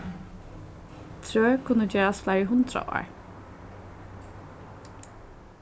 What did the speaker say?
trø kunnu gerast fleiri hundrað ár